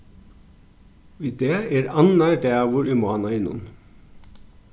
í dag er annar dagur í mánaðinum